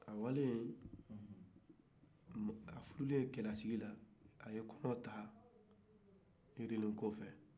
a taa le ye a furulen celasigi la a ye kɔnɔ ta yirilenko fɛ